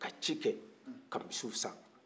ka ci kɛ ka misiw san